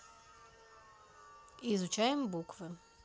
изучаем буквы